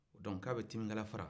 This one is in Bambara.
dɔnku k'a bɛ timikala fara